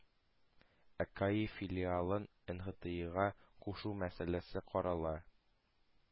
Ә каи филиалын нхтига кушу мәсьәләсе карала,